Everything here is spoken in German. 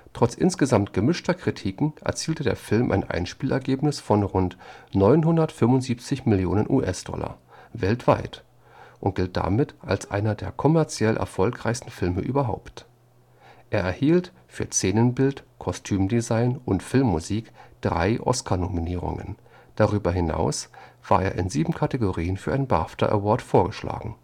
Trotz insgesamt gemischter Kritiken erzielte der Film ein Einspielergebnis von rund 975 Millionen US-Dollar weltweit und gilt damit als einer der kommerziell erfolgreichsten Filme überhaupt. Er erhielt für Szenenbild, Kostümdesign und Filmmusik drei Oscar-Nominierungen, darüber hinaus war er in sieben Kategorien für einen BAFTA Award vorgeschlagen